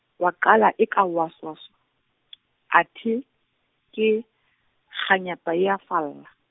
wa qala eka o a swaswa , athe, ke, kganyapa e a falla.